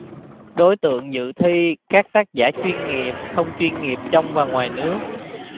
đối tượng dự thi các tác giả chuyên nghiệp không chuyên nghiệp trong và ngoài nước